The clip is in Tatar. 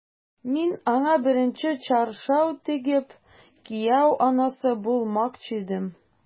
Мин аңа беренче чаршау тегеп, кияү анасы булмакчы идем...